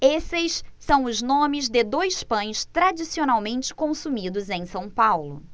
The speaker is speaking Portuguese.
esses são os nomes de dois pães tradicionalmente consumidos em são paulo